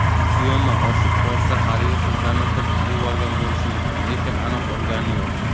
tyoma oshib borsa haligi qizlarni turtib yuborgan bo'lishi mumkin lekin aniq urgani yo'q